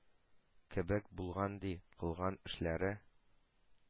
Кебек булган, ди, кылган эшләре